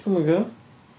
Dwi'm yn gwbod?